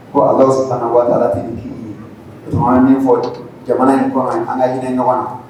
Ko Alahu sitana watara donc an' be min fɔ jamana in kɔnɔ an ŋa hinɛ ɲɔgɔn na